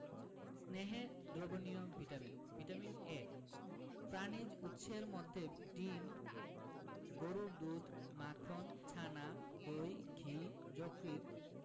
স্নেহে দ্রবণীয় vitamin vitamin A প্রাণিজ উৎসের মধ্যে ডিম গরুর দুধ মাখন ছানা দই ঘি যকৃৎ